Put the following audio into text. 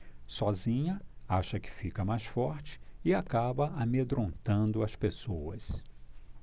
sozinha acha que fica mais forte e acaba amedrontando as pessoas